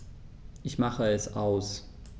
Ich mache es aus.